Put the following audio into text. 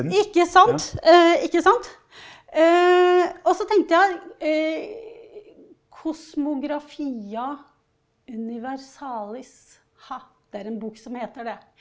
ikke sant ikke sant, og så tenkte jeg har Kosmografia universalis, ha, det er en bok som heter det.